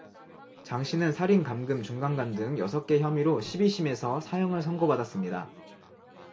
장씨는 살인 감금 준강간 등 여섯 개 혐의로 십 이 심에서 사형을 선고받았습니다